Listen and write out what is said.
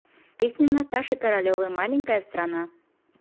песня наташи королевой маленькая страна